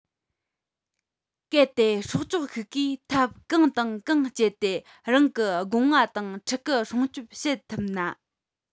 གལ ཏེ སྲོག ཆགས ཤིག གིས ཐབས གང དང གང སྤྱད དེ རང གི སྒོ ང དང ཕྲུ གུ སྲུང སྐྱོབ བྱེད ཐུབ ན